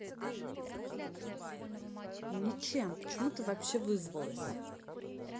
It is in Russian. ничем почему ты вообще вызвалась